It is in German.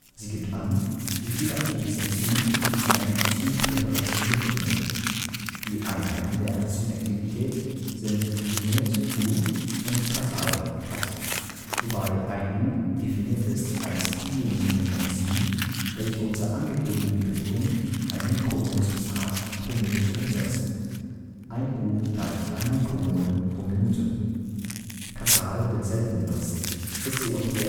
Sie gibt an, wie viel aktives Enzym sich in einer Enzym-Präparation befindet. Die Einheiten der Enzymaktivität sind Unit (U) und Katal (kat), wobei 1 U definiert ist als diejenige Menge Enzym, welche unter angegebenen Bedingungen ein Mikromol Substrat pro Minute umsetzt: 1 U = 1 µmol/min. Katal wird selten benutzt, ist jedoch die